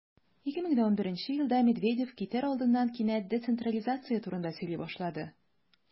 2011 елда медведев китәр алдыннан кинәт децентрализация турында сөйли башлады.